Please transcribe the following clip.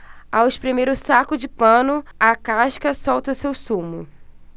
ao espremer o saco de pano a casca solta seu sumo